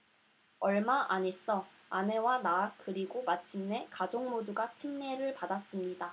얼마 안 있어 아내와 나 그리고 마침내 가족 모두가 침례를 받았습니다